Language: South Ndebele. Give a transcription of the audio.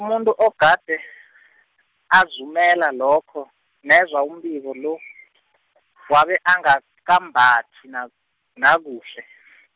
umuntu ogade , azumela lokho, nezwa umbiko lo , wabe angakambathi na- nakuhle.